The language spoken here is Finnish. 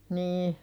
niin